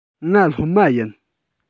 ང སློབ མ ཡིན